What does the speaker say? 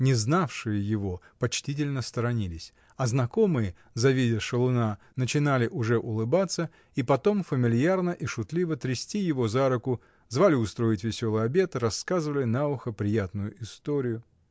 Не знавшие его почтительно сторонились, а знакомые, завидя шалуна, начинали уже улыбаться и потом фамильярно и шутливо трясти его за руку, звали устроить веселый обед, рассказывали на ухо приятную историю.